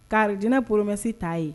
Ka aljinɛ promesse ta a ye!